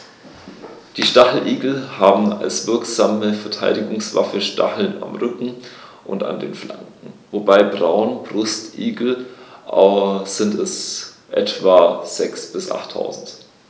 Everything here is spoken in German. Die Stacheligel haben als wirksame Verteidigungswaffe Stacheln am Rücken und an den Flanken (beim Braunbrustigel sind es etwa sechs- bis achttausend).